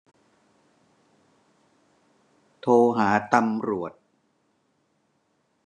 โทรหาตำรวจ